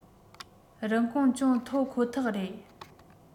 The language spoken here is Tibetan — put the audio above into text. རིན གོང ཅུང མཐོ ཁོ ཐག རེད